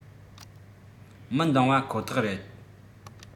མི འདང བ ཁོ ཐག རེད